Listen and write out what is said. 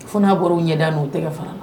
Fo n'a bɔra u ɲɛda n u tɛgɛ fana